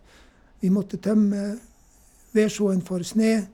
Vi måtte tømme vedskjoen for snø.